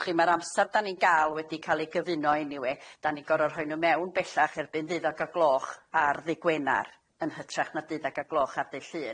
W' chi ma'r amsar da ni'n ga'l wedi ca'l i gyfuno eniwe. 'Dan ni gor'o' rhoi nw mewn bellach erbyn deuddag o gloch ar ddy' Gwenar yn hytrach na deuddag o gloch ar ddy' Llun.